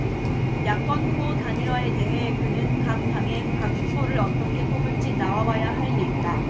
야권후보 단일화에 대해 그는 각당의 각 후보를 어떻게 뽑을지 나와봐야 할 얘기다